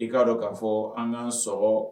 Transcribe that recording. I ka dɔn k'a fɔ an ka sɔgɔ